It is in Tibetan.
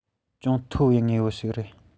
ཅུང མཐོ བའི དངོས པོ ཞིག རེད